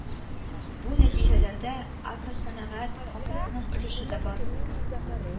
Бу нәтиҗәләрдә агросәнәгать комплексының өлеше дә бар